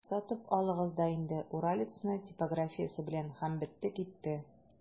Сатып алыгыз да инде «Уралец»ны типографиясе белән, һәм бетте-китте!